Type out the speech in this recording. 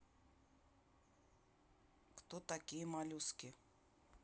кто такие моллюски